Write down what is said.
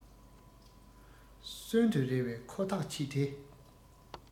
གསོན དུ རེ བའི ཁོ ཐག ཆད དེ